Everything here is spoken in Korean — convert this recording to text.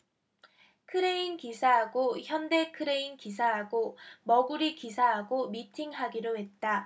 크레인 기사하고 현대 크레인 기사하고 머구리 기사하고 미팅하기로 했다